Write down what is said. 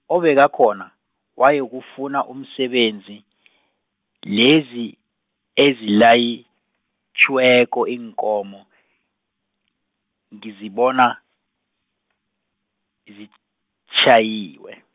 obekakhona, wayokufuna umsebenzi, lezi, ezilayitjhiweko iinkomo, ngizibona, zitshayiwe.